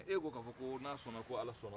e de ko k'a fɔ ko n'a sɔnna ala sɔnna